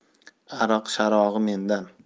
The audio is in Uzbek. aroq sharog'i mendan